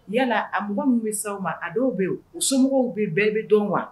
Yala a mɔgɔ minnu bɛ se aw ma, a dɔw bɛ yen u somɔgɔw bɛɛ bɛ dɔn wa?